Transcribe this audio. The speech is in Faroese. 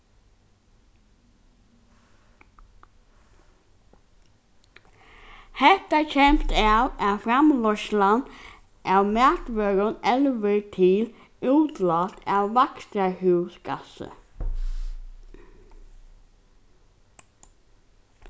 hetta kemst av at framleiðslan av matvørum elvir til útlát av vakstrarhúsgassi